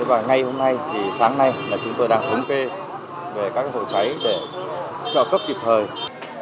và ngày hôm nay thì sáng nay là chúng tôi đang thống kê về các vụ cháy để trợ cấp kịp thời